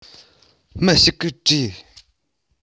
མི ཞིག གིས དྲིས